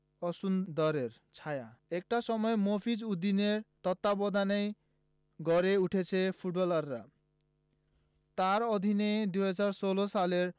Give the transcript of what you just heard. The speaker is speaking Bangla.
অসুন্দরের ছায়া একটা সময় মফিজ উদ্দিনের তত্ত্বাবধানেই গড়ে উঠেছে ফুটবলাররা তাঁর অধীনে ২০১৬ সালের